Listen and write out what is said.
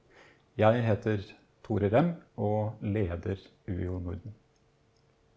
jeg heter Tore Rem og leder UiO Norden.